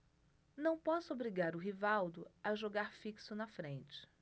não posso obrigar o rivaldo a jogar fixo na frente